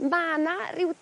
ma' 'na ryw